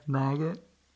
Nage.